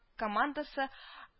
Командасы